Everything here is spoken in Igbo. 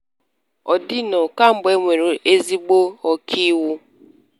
Ọ dị nnọ, ka mgbe e nwere ezigbo ọkaiwu.